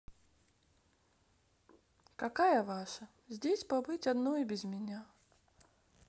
какая ваша здесь побыть одной без меня